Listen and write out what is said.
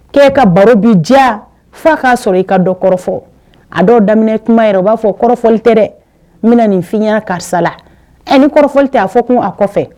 ' ka baro bi diya fo k'a sɔrɔ i ka dɔ kɔrɔfɔ a dɔw daminɛ kuma ye o b'a fɔ kɔrɔfɔfɔ tɛ dɛ n bɛna ninfin karisala e ni kɔrɔfɔ tɛ'a fɔ kun a kɔfɛ